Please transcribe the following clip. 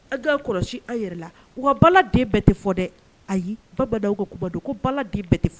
A' kɔlɔsi aw yɛrɛ la u ka bala den bɛɛ tɛ fɔ dɛ ayi baba ka kuba dɔn ko baladen bɛɛ tɛ fɔ